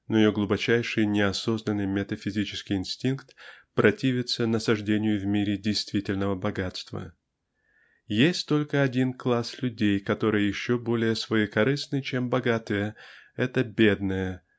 но ее глубочайший неосознанный метафизический инстинкт противится насаждению в мире действительного богатства. "Есть только один класс людей которые еще более своекорыстны чем богатые и это--бедные"